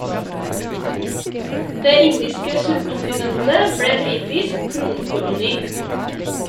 Det indiske subkontinentet ble britisk kronkoloni.